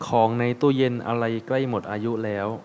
ของในตู้เย็นอะไรใกล้หมดอายุแล้ว